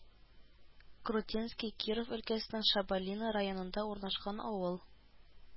Крутенский Киров өлкәсенең Шабалино районында урнашкан авыл